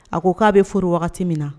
A ko k'a bɛ furu wagati min na